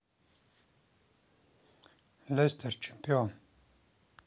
лестер чемпион